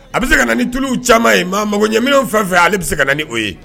A bɛ se ka na ni tulu caman ye maa mago ɲamin fɛn fɛ ale bɛ se ka na ni o ye